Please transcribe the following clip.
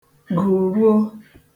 gụ̀ruo